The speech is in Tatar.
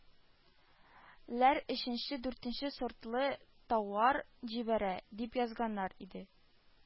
Ләр өченче, дүртенче сортлы тауар җибәрә, дип язганнар иде